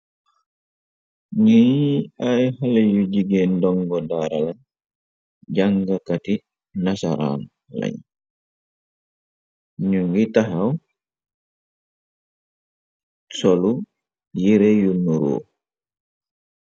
Ngiy ay xale yu jigéen dongo daaralañ jàngakati nasaraan lañ ñu ngi taxaw solu yire yu nuroo.